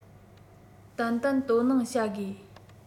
ཏན ཏན དོ སྣང བྱ དགོས